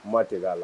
N deli a la